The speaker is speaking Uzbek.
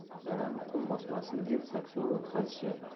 dalani qum bosmasin deb saksovul o'tkazishyapti